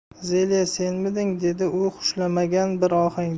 zelya senmiding dedi u xushlamagan bir ohangda